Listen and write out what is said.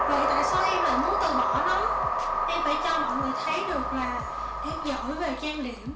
vậy tại sao em lại muốn từ bỏ nó em phải cho mọi người thấy được là em giỏi về trang điểm